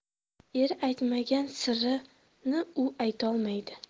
eri aytmagan sirni u aytolmaydi